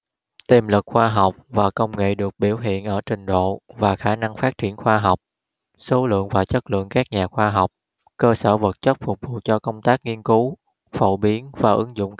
tiềm lực khoa học và công nghệ được biểu hiện ở trình độ và khả năng phát triển khoa học số lượng và chất lượng các nhà khoa học cơ sở vật chất phục vụ cho công tác nghiên cứu phổ biến và ứng dụng